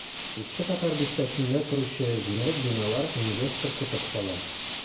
Иске татар бистәсендә торучы җимерек биналар инвестор көтеп кала.